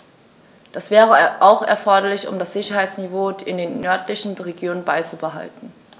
Das wäre auch erforderlich, um das Sicherheitsniveau in den nördlichen Regionen beizubehalten.